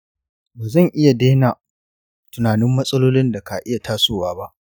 ba zan iya daina tunanin matsalolin da ka iya tasowa ba.